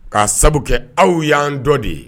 'a sabu kɛ aw y'an dɔ de ye